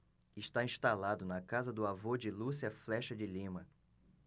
está instalado na casa do avô de lúcia flexa de lima